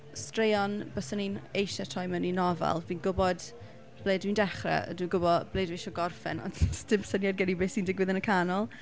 Straeon byswn i'n eisiau troi mewn i nofel, fi'n gwybod ble dwi'n dechrau a dwi'n gwybod ble dwi isie gorffen, ond 'sdim syniad gen i beth sy'n digwydd yn y canol.